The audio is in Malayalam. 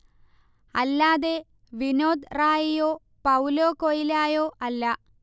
അല്ലാതെ വിനോദ് റായിയോ പൌലോ കൊയ്ലായൊ അല്ല